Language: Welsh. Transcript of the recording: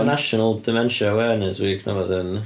Ma'n National Dementia Awareness Week neu 'wbath hefyd yndi?